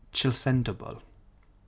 Chilsen Dwbwl.